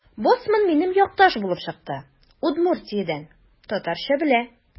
Боцман минем якташ булып чыкты: Удмуртиядән – татарча белә.